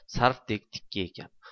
sarvdek tikka ekan